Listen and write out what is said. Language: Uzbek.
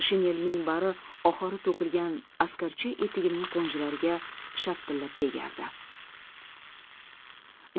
shinelining bari ohori to'kilgan askarcha etigining qo'njilariga shartillab tegardi